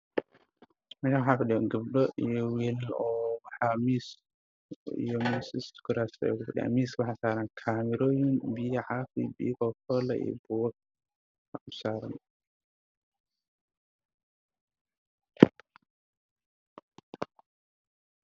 Waa meel maqaayad xaa fadhiya gabdho iyo wiilal fara badan waxa ay ku fadhiyaan kuraas waxaa ka ifaayo weerar jaale ah